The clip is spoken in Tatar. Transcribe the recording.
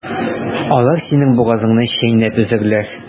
Алар синең бугазыңны чәйнәп өзәрләр.